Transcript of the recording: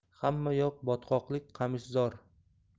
hammayoq botqoqlik qamishzor